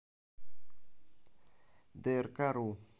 дрк ру